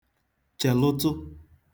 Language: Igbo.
chèlụtụ